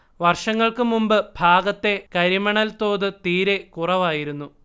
വർഷങ്ങൾക്കുമുമ്പ് ഭാഗത്തെ കരിമണൽ തോത് തീരെ കുറവായിരുന്നു